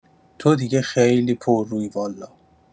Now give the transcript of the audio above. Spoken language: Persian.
تو دیگه خیلی پررویی والا